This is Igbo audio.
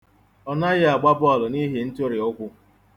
Ọ naghị agba bọọlụ n'ihi ntụrịụkwụ.